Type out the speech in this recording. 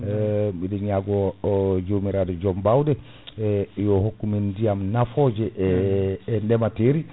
e biɗo ñaago diomiraɗo joom bawɗe e hokkumin ndiyam nafoje e e ndeemateri